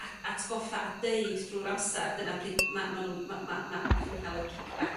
a- atgoffa a deud drw'r amser dyna pryd ma' ma' 'da chi'n ca'l y kick back